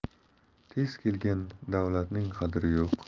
tez kelgan davlatning qadri yo'q